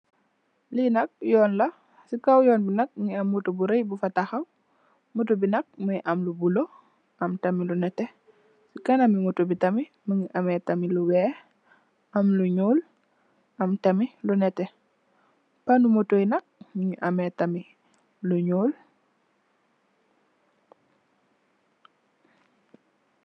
Li nak yoon la, ci kaw yoon bi nak, mungi am moto bu rëy bu fa tahaw. Moto bi nak mungi am lu bulo, am tamit lu nètè ci kanam moto bi tamit mungi ay tamit lu weeh, am lu ñuul, tamit lu nètè. Panu mungi ameh tamit lu ñuul.